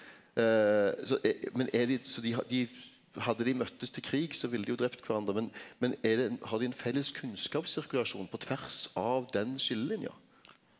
så er men er dei så dei har dei hadde dei møttest til krig så ville dei jo drepe kvarandre men men er det har dei ein felles kunnskapssirkulasjon på tvers av den skillelinja?